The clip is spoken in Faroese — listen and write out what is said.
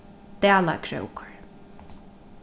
dalakrókur